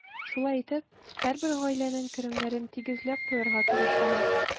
Шулай итеп, һәрбер гаиләнең керемнәрен тигезләп куярга тырышалар.